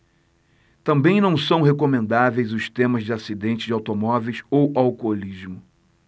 também não são recomendáveis os temas de acidentes de automóveis ou alcoolismo